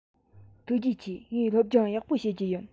ཐུགས རྗེ ཆེ ངས སློབ སྦྱོང ཡག པོ བྱེད རྒྱུ ཡིན